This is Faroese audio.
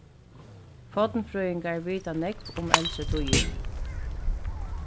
fornfrøðingar vita nógv um eldri tíðir